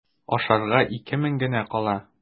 Ашарга ике мең генә кала.